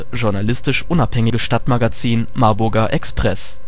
journalistisch unabhängige Stadtmagazin " Marburger Express